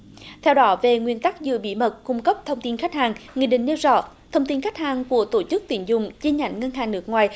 theo đó về nguyên tắc giữ bí mật cung cấp thông tin khách hàng nghị định nêu rõ thông tin khách hàng của tổ chức tín dụng chi nhánh ngân hàng nước ngoài